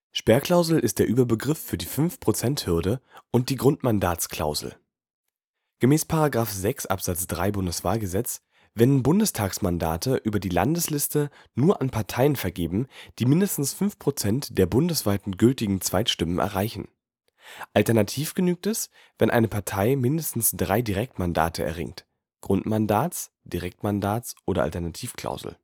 Sperrklausel ist der Überbegriff für die Fünf-Prozent-Hürde und die Grundmandatsklausel. Gemäß § 6 Abs. 3 BWahlG werden Bundestagsmandate über die Landesliste nur an Parteien vergeben, die mindestens 5 % der bundesweiten gültigen Zweitstimmen erreichen. Alternativ genügt es, wenn eine Partei mindestens drei Direktmandate erringt (Grundmandats -, Direktmandats - oder Alternativklausel